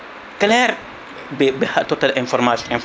claire ɓe totat information info